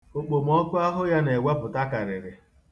Okpomọkụ ahụ ya na-ewepụta karịrị.